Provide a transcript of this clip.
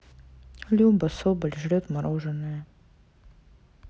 люба соболь жрет мороженое